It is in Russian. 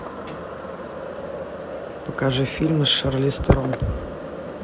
покажи фильмы с шарлиз терон